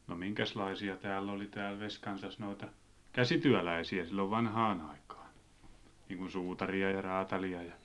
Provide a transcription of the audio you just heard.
no minkäslaisia täällä oli täällä Vesikansassa noita käsityöläisiä silloin vanhaan aikaan niin kuin suutaria ja räätäliä ja